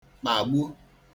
kpagbu